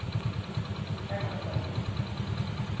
hvar kann eg fáa hjálp